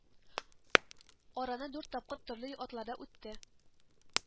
Араны дүрт тапкыр төрле атларда үтте